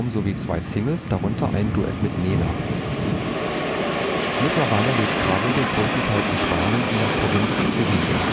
sowie zwei Singles, darunter ein Duett mit Nena. Mittlerweile lebt Krawinkel größtenteils in Spanien in der Provinz Sevilla